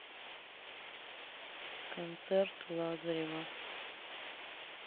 концерт лазарева